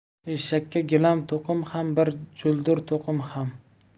eshakka gilam to'qim ham bir juldur to'qim ham